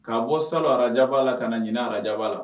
Kaa bɔ sa araj la ka na ɲin arajba la